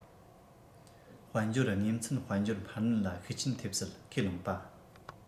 དཔལ འབྱོར དངོས ཚན དཔལ འབྱོར འཕར སྣོན ལ ཤུགས རྐྱེན ཐེབས སྲིད ཁས བླངས པ